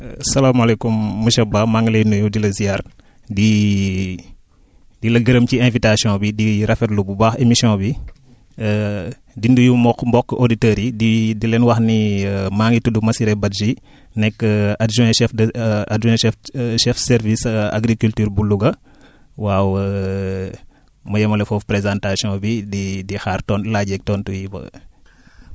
salaamaalekum monsieur Ba maa ngi lay nuyu di la ziyaar di di la gërëm ci invitation bi di rafetlu bu baax émission bi di nuyu mbokku auditeurs yi di di leen wax ni maa ngi tudd Massiré Badji nekk adjoint chef de adjoint chef chef service agriculture bu Louga waaw ma yamale foofu présentation bi di di xaar ton laaj yeeg tontu yi ba